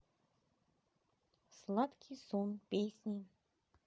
сладкий сон песни